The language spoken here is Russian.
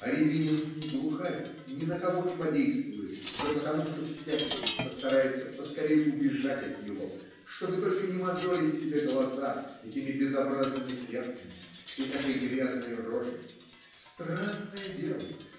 А рябининский "Глухарь" ни на кого не подействует уже потому, что всякий постарается поскорей убежать от него, чтобы только не мозолить себе глаза этими безобразными тряпками и этой грязной рожей. Странное дело!